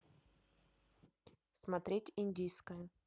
смотреть индийское